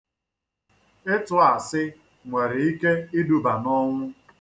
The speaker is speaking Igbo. Ịtụ asị nwere ike iduba n'ọnwụ.